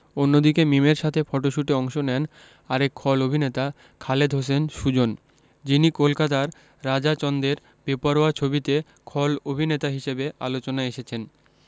অন্যদিকে মিমের সাথে ফটশুটে অংশ নেন আরেক খল অভিনেতা খালেদ হোসেন সুজন যিনি কলকাতার রাজা চন্দের বেপরোয়া ছবিতে খল অভিননেতা হিসেবে আলোচনায় এসেছেন